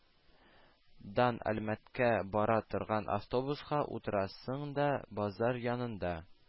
Дан әлмәткә бара торган автобуска утырасың да базар янында